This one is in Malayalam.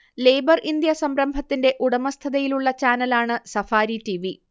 ലേബർ ഇന്ത്യ സംരംഭത്തിന്റെ ഉടമസ്ഥതയിലുള്ള ചാനലാണ് സഫാരി ടിവി